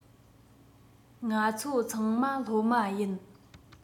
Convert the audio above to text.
ང ཚོ ཚང མ སློབ མ ཡིན